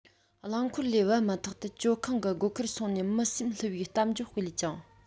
རླངས འཁོར ལས བབས མ ཐག ཏུ ཇོ ཁང གི སྒོ ཁར སོང ནས མི སེམས བསླུ བའི གཏམ བརྗོད སྤེལ ཅིང